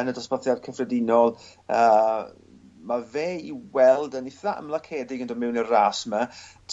yn y dosbarthiad cyffredinol yy ma' fe i weld yn itha ymlacedig yn do' mewn i'r ras 'ma